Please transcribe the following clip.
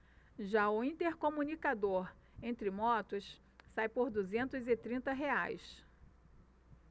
já o intercomunicador entre motos sai por duzentos e trinta reais